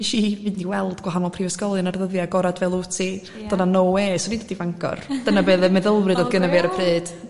neshi fynd i weld gwahanol prifysgolion ar ddyddia agorod fel wti do' 'na no we swni'n dod i Fangor dyna be odd y meddylfryd odd gynna fi ar y pryd